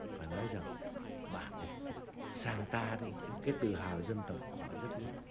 phải nói rằng bạn sang ta thì cái tự hào dân tộc họ rất lớn